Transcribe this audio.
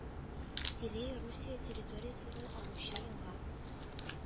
Селея Русия территориясеннән агучы елга